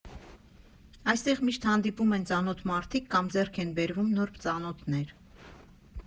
Այստեղ միշտ հանդիպում են ծանոթ մարդիկ կամ ձեռք են բերվում նոր ծանոթներ։